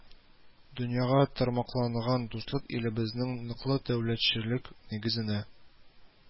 Дөньяга тармакланган дуслык илебезнең ныклы дәүләтчелек нигезенә